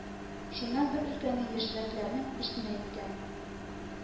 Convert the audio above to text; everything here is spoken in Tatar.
Шуннан бер өлкәне яшьрәкләрнең берсенә әйткән: